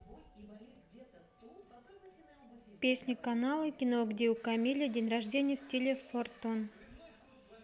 песня канала кино где у камиля день рождения в стиле fortnite